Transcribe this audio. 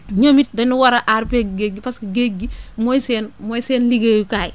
ñoom it dañoo war a aar peggu géej gi parce que géej gi mooy seen mooy seen liggéeyukaay